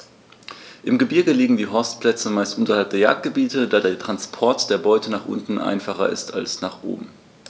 Im Gebirge liegen die Horstplätze meist unterhalb der Jagdgebiete, da der Transport der Beute nach unten einfacher ist als nach oben.